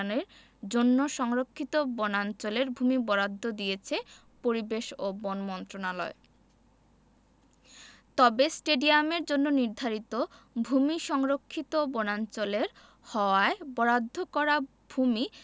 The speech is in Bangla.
একর জায়গা মিনি স্টেডিয়াম নির্মাণের জন্য সংরক্ষিত বনাঞ্চলের ভূমি বরাদ্দ দিয়েছে পরিবেশ ও বন মন্ত্রণালয় তবে স্টেডিয়ামের জন্য নির্ধারিত ভূমি সংরক্ষিত বনাঞ্চলের